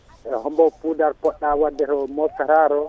e hombo pudare poɗɗa waddeto moftata to